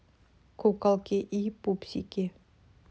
куколки и пупсики